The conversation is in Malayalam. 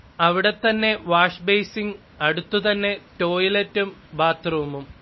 അവിടെ തന്നെ വാഷ്ബെയ്സിങ്, അടുത്ത് തന്നെ ടോയ്ലറ്റും ബാത്ത്റൂമും